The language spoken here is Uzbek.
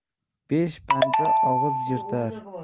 besh panja og'iz yirtar